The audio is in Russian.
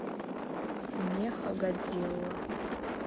мехагодзилла